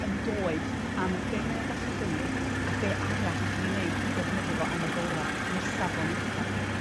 yn doeth am be' mae o'n gallu gynnig a be' arall allen ni neud i defnyddio fo am y gora' i'r safon ucha.